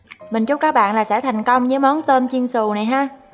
mình chúc các bạn là sẽ thành công với món tôm chiên xù này ha